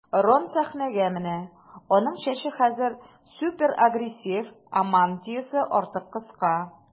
Рон сәхнәгә менә, аның чәче хәзер суперагрессив, ә мантиясе артык кыска.